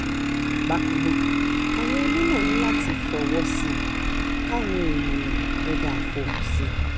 Bákan náà, àwọn onímọ̀ ní láti f'ọwọ́ sí i k'áwọn ènìyàn ó ba f'ohùn sí i.